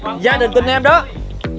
gia đình tin em đó